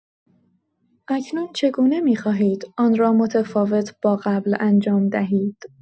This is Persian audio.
اکنون چگونه می‌خواهید آن را متفاوت با قبل انجام دهید؟